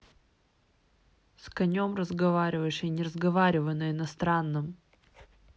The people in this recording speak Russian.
с конем разговариваешь я не разговариваю на иностранном